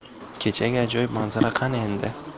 kechagi ajoyib manzara qani endi